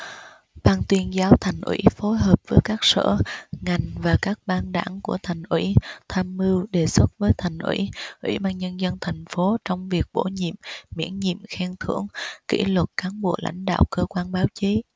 ban tuyên giáo thành ủy phối hợp với các sở ngành và các ban đảng của thành ủy tham mưu đề xuất với thành ủy ủy ban nhân dân thành phố trong việc bổ nhiệm miễn nhiệm khen thưởng kỷ luật cán bộ lãnh đạo cơ quan báo chí